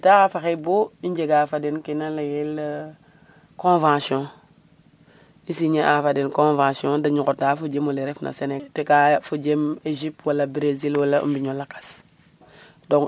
Ta fexey bo i njega fo den kena layel convention i signé a fo den convention da nqotaa fo jem ole refna sene fo jem Egipte wala Bresil wala o mbiñ o lakas.